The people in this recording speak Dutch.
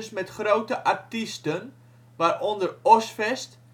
met grote artiesten, waaronder Ozzfest